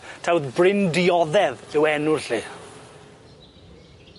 taw Bryn Dioddef yw enw'r lle.